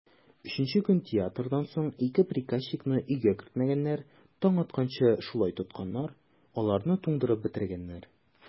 Өченче көн театрдан соң ике приказчикны өйгә кертмәгәннәр, таң атканчы шулай тотканнар, аларны туңдырып бетергәннәр.